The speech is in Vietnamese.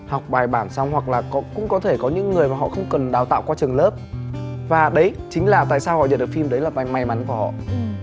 học bài bản xong hoặc là có cũng có thể có những người mà họ không cần đào tạo qua trường lớp và đấy chính là tại sao họ nhận được phim đấy là vai may mắn của họ